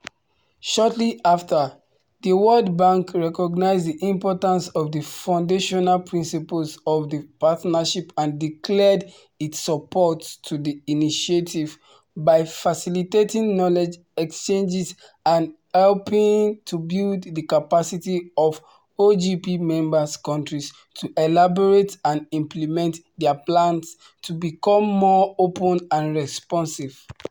Shortly after, the World Bank recognized the importance of the foundational principles of the Partnership and declared its support to the initiative “by facilitating knowledge exchanges and helping to build the capacity of OGP member countries to elaborate and implement their plans to become more open and responsive.”